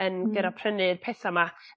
yn gor'o prynu'r petha 'ma.